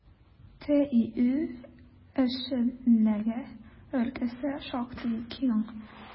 ТИҮ эшчәнлеге өлкәсе шактый киң.